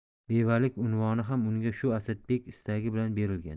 bevalik unvoni ham unga shu asadbek istagi bilan berilgan